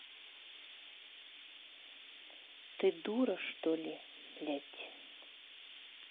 ты дура что ли блядь